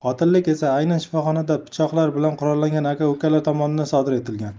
qotillik esa aynan shifoxonada pichoqlar bilan qurollangan aka ukalar tomonidan sodir etilgan